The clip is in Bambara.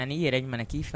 N'i yɛrɛ jamana k'i faga